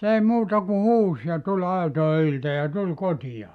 se ei muuta kuin huusi ja tuli aitojen ylitse ja tuli kotiinsa